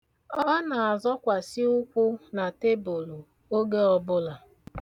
Ọ na-azọkwasị ukwu na tebulu oge ọbụla.